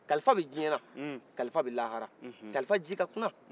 kalifa bɛ diɲɛna kalifa bɛ lahara kalifa ji ka kuna